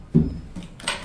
Wa